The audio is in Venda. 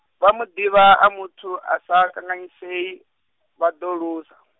vha mu ḓivha a muthu a sa kanganyisei, vha ḓo lusa.